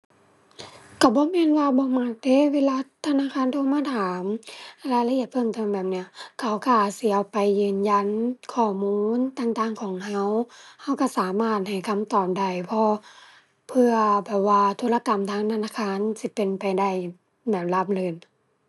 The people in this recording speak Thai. ก็บ่แม่นว่าบ่มักเดะเวลาธนาคารโทรมาถามรายละเอียดเพิ่มเติมแบบเนี้ย เขาก็อาจสิเอาไปยืนยันข้อมูลต่างต่างของก็ ก็ก็สามารถให้คำตอบได้ เพราะเผื่อแบบว่าธุรกรรมทางธนาคารสิเป็นไปได้แบบราบรื่น